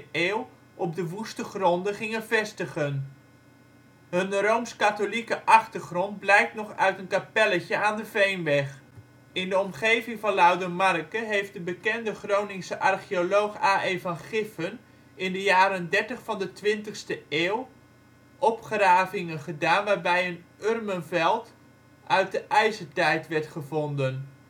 eeuw op de woeste gronden gingen vestigen. Hun rooms-katholieke achtergrond blijkt nog uit een kapelletje aan de Veenweg. In de omgeving van Laudermarke heeft de bekende Groningse archeoloog A.E. van Giffen in de jaren dertig van de twintigste eeuw opgravingen gedaan waarbij een urmenveld uit de ijzertijd werd gevonden